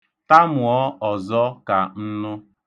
Tamuo ọzọ ka m nụ.